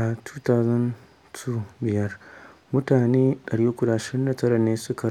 A 20025, mutane 329 suka